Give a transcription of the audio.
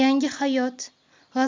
yangi hayot